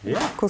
ja.